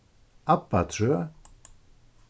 abbatrøð